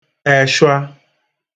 ẹshwa